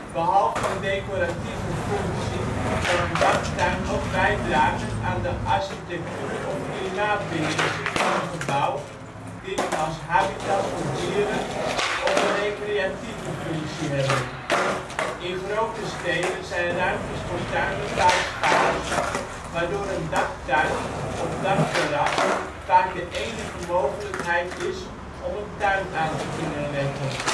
Behalve een decoratieve functie, kan een daktuin ook bijdragen aan de architectuur of klimaatbeheersing van een gebouw, dienen als habitat voor dieren, of een recreatieve functie hebben. In grote steden zijn ruimtes voor tuinen vaak schaars, waardoor een daktuin of dakterras vaak de enige mogelijk is om een tuin aan te kunnen leggen